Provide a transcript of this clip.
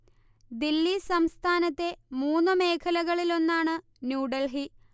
ദില്ലി സംസ്ഥാനത്തെ മൂന്നു മേഖലകളിലൊന്നാണ് ന്യൂ ഡെൽഹി